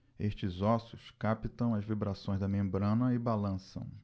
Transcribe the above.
estes ossos captam as vibrações da membrana e balançam